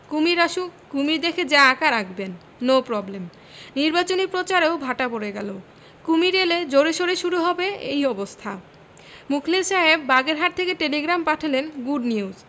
কুশীর আসুক কুমীর দেখে যা আঁকার আঁকবেন নো প্রবলেম নিবাচনী প্রচারেও ভাটা পড়ে গেল কুমীর এলে জোরে সোরে শুরু হবে এই অবস্থা মুখলেস সাহেব বাগেরহাট থেকে টেলিগ্রাম পাঠালেন গুড নিউজ